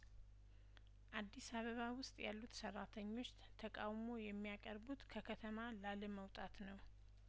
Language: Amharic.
አዲስ አበባ ውስጥ ያሉት ሰራተኞች ተቃውሞ የሚያቀርቡት ከከተማ ላለመውጣት ነው